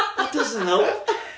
That doesn't help